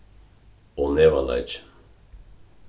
og nevaleiki